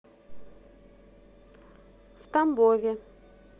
в тамбове